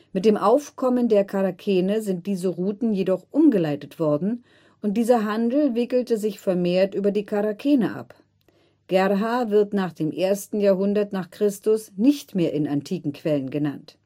Mit dem Aufkommen der Charakene sind diese Routen jedoch umgeleitet worden und dieser Handel wickelte sich vermehrt über die Charakene ab. Gerrha wird nach dem ersten Jahrhundert n. Chr. nicht mehr in antiken Quellen genannt